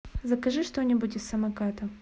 закажи что нибудь из самоката